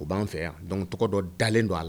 U b'a fɛ yan dɔn tɔgɔ dɔ dalenlen don a la